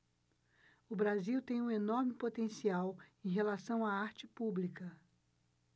o brasil tem um enorme potencial em relação à arte pública